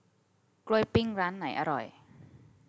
กล้วยปิ้งร้านไหนอร่อย